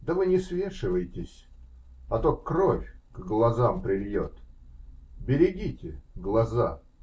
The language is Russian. Да вы не свешивайтесь, а то кровь к глазам прильет. Берегите глаза.